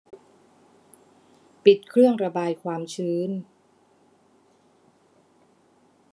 ปิดเครื่องระบายความชื้น